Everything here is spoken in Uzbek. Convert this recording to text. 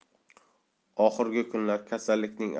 oxirgi kunlar kasallikning